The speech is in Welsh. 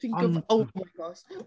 Dwi'n gwyb-... ond... o my gosh.